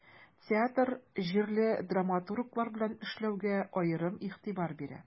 Театр җирле драматурглар белән эшләүгә аерым игътибар бирә.